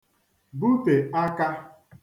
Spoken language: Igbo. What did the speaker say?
bute akā